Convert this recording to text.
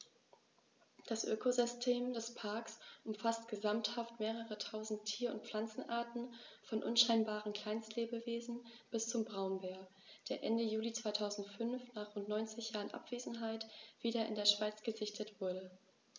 Das Ökosystem des Parks umfasst gesamthaft mehrere tausend Tier- und Pflanzenarten, von unscheinbaren Kleinstlebewesen bis zum Braunbär, der Ende Juli 2005, nach rund 90 Jahren Abwesenheit, wieder in der Schweiz gesichtet wurde.